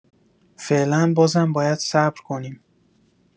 فعلا بازم باید صبر کنیم.